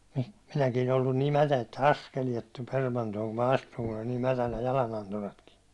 minäkin ollut niin mätä että askeleet tuli permantoon kun minä astuin kun oli niin mätänä jalananturatkin